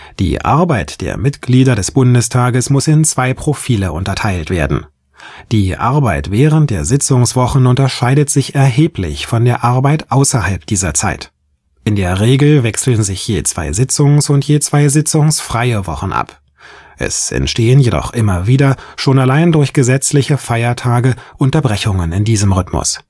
Die Arbeit der Mitglieder des Bundestages muss in zwei Profile unterteilt werden: Die Arbeit während der Sitzungswochen unterscheidet sich erheblich von der Arbeit außerhalb dieser Zeit. In der Regel wechseln sich je zwei Sitzungs - und je zwei sitzungsfreie Wochen ab; es entstehen jedoch immer wieder, schon allein durch gesetzliche Feiertage, Unterbrechungen in diesem Rhythmus